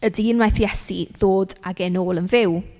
Y dyn wnaeth Iesu ddod ag e nôl yn fyw.